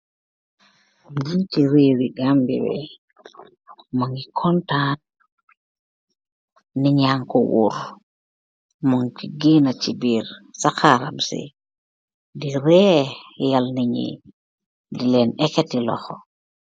Ñjiti rée wi gambiya wi, mungi kontaan, nit ñaanko woor. Mung ci giina ci biir ca xaram, si di rée yal niñi di leen ekati loxo.